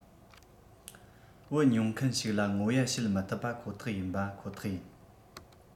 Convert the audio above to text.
བུ མྱོང མཁན ཞིག ལ ངོ ཡ བྱེད མི ཐུབ པ ཁོ ཐག ཡིན པ ཁོ ཐག ཡིན